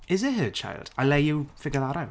Is it her child? I'll let you figure that out.